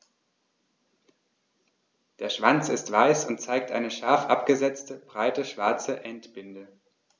Der Schwanz ist weiß und zeigt eine scharf abgesetzte, breite schwarze Endbinde.